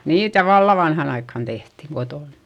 niitä valla vanhan ‿aikkan tehti, kotòn.